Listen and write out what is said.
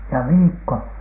ja viikko